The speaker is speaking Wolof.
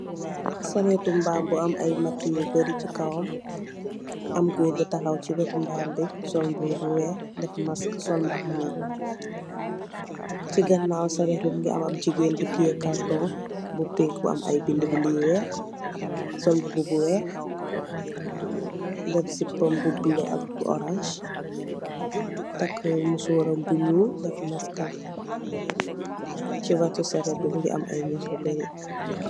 Sareto baam bu am ay mati you bari si kawo am gorr bu tahaw si wetu baam bi sol bubu bu weex def maksam sol bahanam si ganaw saret bi mungi am jigeen bu teyeh karton bu "pink" mo am aye bindi bindi you weex sol bobu bu weex def sipam bu blue ak orance taki mosor bu nuul def maksam si weto saret bi mungi am niahi you barri.